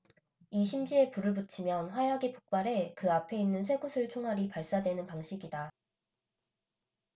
이 심지에 불을 붙이면 화약이 폭발해 그 앞에 있는 쇠구슬 총알이 발사되는 방식이다